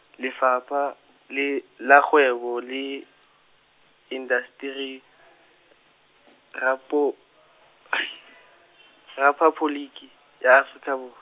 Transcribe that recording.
Lefapha, le, la Kgwebo le Indasteri , Rapo- , Rephaboliki, ya Afrika Bor-.